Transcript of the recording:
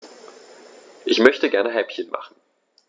Ich möchte gerne Häppchen machen.